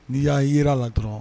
N'i y'a jira la dɔrɔn